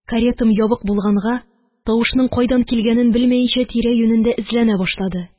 Каретам ябык булганга, тавышның кайдан килгәнен белмәенчә тирә-юнендә эзләнә башлады